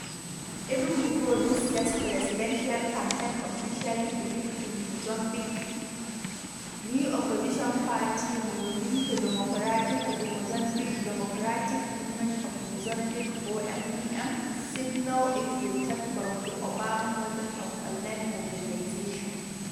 Even before this year's Presidential campaign officially began in Mozambique, new opposition party Movimento Democrático de Moçambique (Democratic Movement of Mozambique, or MDM) signaled it would take from the “Obama” model of online mobilization.